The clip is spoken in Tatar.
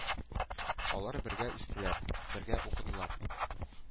Алар бергә үстеләр. Бергә укыдылар.